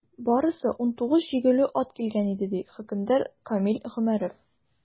Барысы 19 җигүле ат килгән иде, - ди хөкемдар Камил Гомәров.